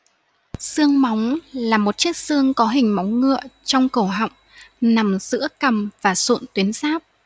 xương móng là một chiếc xương có hình móng ngựa trong cổ họng nằm giữa cằm và sụn tuyến giáp